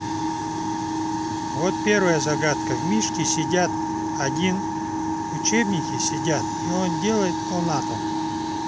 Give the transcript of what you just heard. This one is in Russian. вот первая загадка в мишки сидят один учебники сидят и он девлет о нато